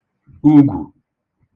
ugwù